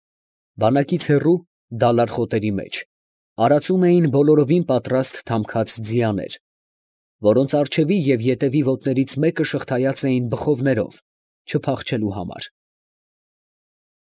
Բանակից հեռու, դալար խոտերի մեջ, արածում էին բոլորովին պատրաստ թամքած ձիաներ, որոնց առջևի և ետևի ոտներից մեկը շղթայած էին բխովներով՝ չփախչելու համար։